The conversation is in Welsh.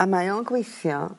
A mae o'n gweithio